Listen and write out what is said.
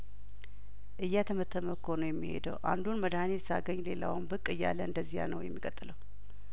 እያተመ እኮ ነው የሚሄደው አንዱን መድሀኒት ሳገኝ ሌላውም ብቅ እያለ እንደዚያ ነው የሚቀጥለው